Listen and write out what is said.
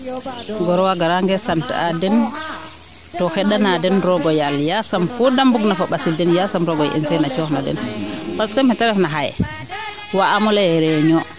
gor waaga raange sant aa den to xenda na den roogo yaal yasam kuu de mbung na fo ɓasil den yasam roogo yaaloxe sene a coox na den parce meete ref na xaye wa'aamo leyee reunion